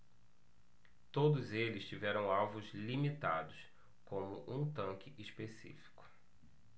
todos eles tiveram alvos limitados como um tanque específico